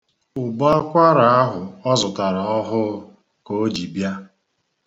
Ụbọakwara ahụ ọ zụtara ọhụrụ ka o ji bịa.